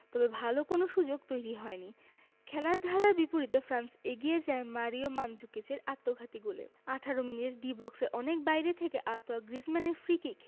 তবে ভালো কোনো সুযোগ তৈরি হয়নি খেলার ধারার বিপরীতে ফ্রান্স এগিয়ে যায় মারিও মানজুকিচের আত্মঘাতী গোলে ১৮ মিনিটে ডি বক্সের অনেক বাইরে থেকে আঁতোয়া গ্রিজমানের ফ্রিকিক